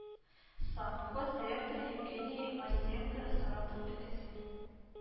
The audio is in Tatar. Совхоз директоры Евгений Майстренко Саратов өлкәсе